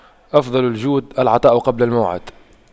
أفضل الجود العطاء قبل الموعد